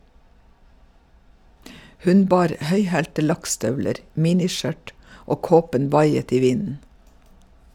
Hun bar høyhælte lakkstøvler, miniskjørt, og kåpen vaiet i vinden.